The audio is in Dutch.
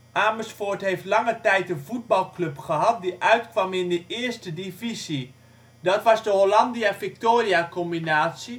Amersfoort heeft lange tijd een voetbalclub gehad die uitkwam in de eerste divisie. Dat was de Hollandia-Victoria Combinatie